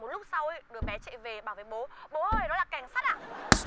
một lúc sau í đứa bé chạy về bảo với bố bố ơi nó là kẻng sắt ạ